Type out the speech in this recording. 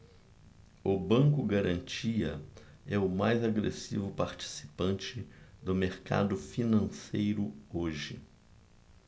o banco garantia é o mais agressivo participante do mercado financeiro hoje